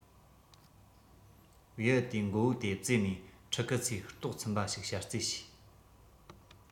བེའུ དེའི མགོ བོ དེ བཙོས ནས ཕྲུ གུ ཚོའི ལྟོགས ཚིམས པ ཞིག བྱ རྩིས བྱས